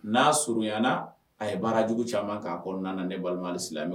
N'a surunyana a ye baara jugu caman k'a kɔrɔɔrɔn na ni balima silamɛ